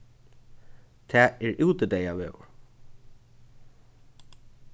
tað er útideyðaveður